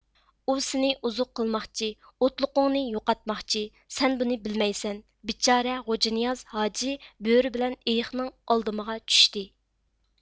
ئۇ سېنى ئوزۇق قىلماقچى ئوتلۇقۇڭنى يوقاتماقچى سەن بۇنى بىلمەيسەن بىچارە غوجانىياز ھاجى بۆرە بىلەن ئېيىقنىڭ ئالدىمىغا چۈشتى